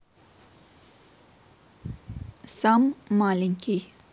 sam маленький